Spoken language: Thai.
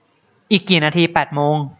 อีกกี่นาทีแปดโมง